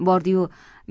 bordi yu